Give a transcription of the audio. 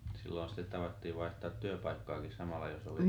silloin sitten tavattiin vaihtaa työpaikkaakin samalla jos oli